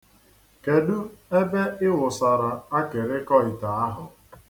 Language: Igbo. Kedu ebe ị wụsara akịrịkọ ite ahụ.